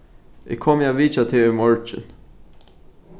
eg komi at vitja teg í morgin